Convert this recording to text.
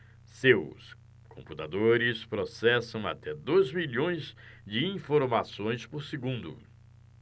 seus computadores processam até dois milhões de informações por segundo